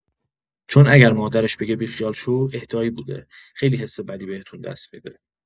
چون اگر مادرش بگه بیخیال شو، اهدایی بوده، خیلی حس بدی بهتون دست می‌ده.